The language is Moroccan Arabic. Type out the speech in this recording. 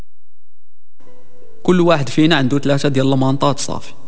كل واحد فينا عنده ثلاثه